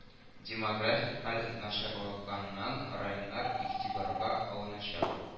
Демографик хәл начарланган районнар игътибарга алыначак